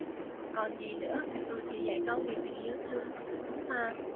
còn gì nữa ừ thì dạy con về tình yêu thương sự thứ tha